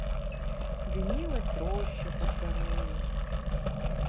дымилась роща под горою